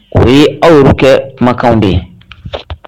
O ye aw yɛrɛ kɛ kumakan de ye